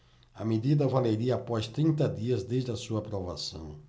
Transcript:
a medida valeria após trinta dias desde a sua aprovação